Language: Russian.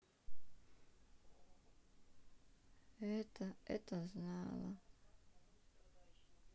это это знала